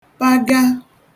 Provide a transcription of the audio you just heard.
paga